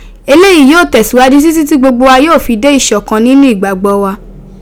Eleyii yoo tesiwaju titi ti gbogbo wa yoo fi de isokan ninu igbagbo wa